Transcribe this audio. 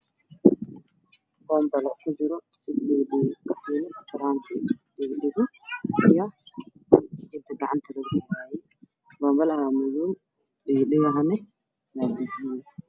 Meeshaa waxaa ka muuqda caag madow oo ay sahran yihiin dhago katiin iyo jijin dahab ah oo jaala ah